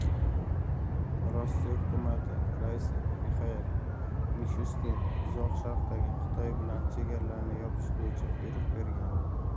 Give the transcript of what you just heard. rossiya hukumati raisi mixail mishustin uzoq sharqdagi xitoy bilan chegaralarni yopish bo'yicha buyruq bergan